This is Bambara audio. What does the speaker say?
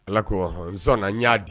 Ala ko n n y'a di